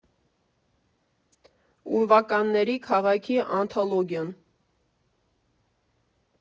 Ուրվականների քաղաքի անթոլոգիան։